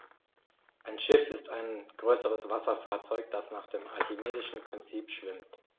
Ein Schiff ist ein größeres Wasserfahrzeug, das nach dem archimedischen Prinzip schwimmt.